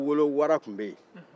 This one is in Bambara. n y'aw wolo wara tun bɛ yen